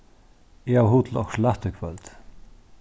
eg havi hug til okkurt lætt í kvøld